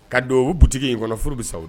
Ka don u butigi in kɔnɔ furu bɛ sa